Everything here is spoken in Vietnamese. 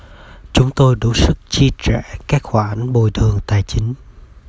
chúng tôi đủ sức chi trả các khoản bồi thường tài chính